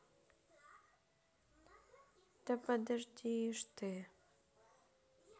да подожди ж ты